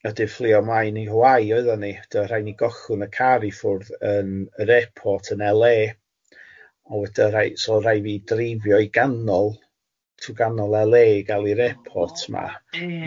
Wedyn flio ymlaen i Hawaii oedden ni, dywedodd rhaid ni gollwng y car i ffwrdd yn yr airport yn El Ay a wedyn rhai- so oedd rhaid fi dreifio i ganol trw ganol El Ay i gael i'r airport yma... Ia.